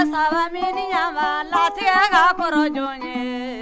sabaminiyanba latigɛ ka kɔrɔ jɔn ye